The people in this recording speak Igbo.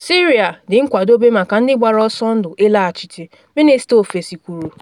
Syria ‘dị nkwadobe’ maka ndị gbara ọsọ ndụ ịlaghachite, Minista Ofesi kwuru